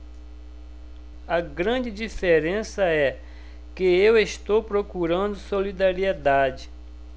a grande diferença é que eu estou procurando solidariedade